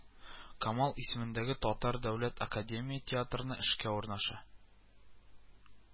Камал исемендәге Татар дәүләт академия театрына эшкә урнаша